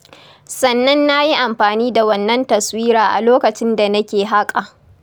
Sannan na yi amfani da wannan taswira a lokacin da nake haƙa.